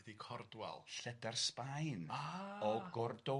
Be 'di cordwal? Lledar Sbaen o Gordoba.